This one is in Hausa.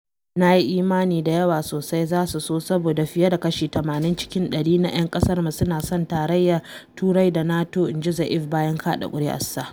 “Na yi imani da yawa sosai za su so saboda fiye da kashi 80 cikin ɗari na ‘yan ƙasarmu suna son Tarayyar Turai da NATO,”inji Zaev bayan kaɗa kuri’arsa.